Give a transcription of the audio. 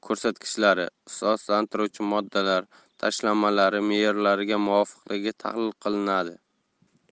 ko'rsatkichlari ifloslantiruvchi moddalar tashlamalari me'yorlariga muvofiqligi tahlil qilinadi